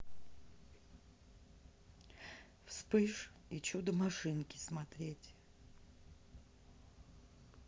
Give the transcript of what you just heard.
вспыш и чудо машинки смотреть